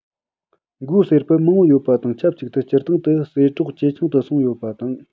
མགོའི ཟེ སྤུ མང པོ ཡོད པ དང ཆབས ཅིག ཏུ སྤྱིར བཏང དུ ཟེ པྲོག ཇེ ཆུང དུ སོང ཡོད པ དང